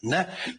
'Na?